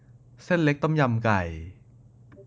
เส้นเล็กต้มยำไก่